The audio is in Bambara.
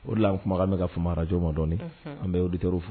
O de la an kumakan bɛ fama radio ma dɔni, unhun, an bɛ auditeur fo